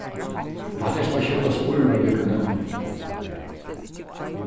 hatta er sum at skjóta spurvar við kanónum